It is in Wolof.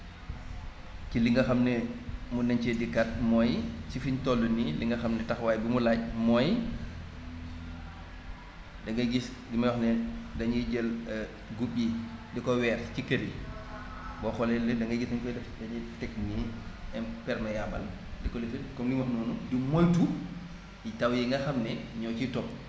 ci li nga xam ne mun nañ cee dikkaat mooy ci fiñ toll nii li nga xam ne taxawaay bu mu laaj mooy da nga gis li may wax ne dañuy jël gub yi di ko weer ci kër yi boo xoolee léeg da ngay gis ñu koy def ci dañuy teg nii imperméable di ko lifin comme li mu wax noonu di moytu taw yi nga xam ne ñoo cit topp